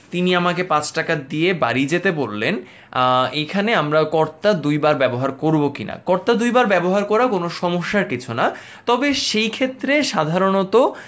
তিনি আমাকে পাঁচ টাকা দিয়ে বাড়ি যেতে বললেন এখানে আমরা কর্তা দুইবার ব্যবহার করব কিনা কর্তা দুইবার ব্যবহার করা কোন সমস্যার কিছু না তবে সেক্ষেত্রে সাধারণত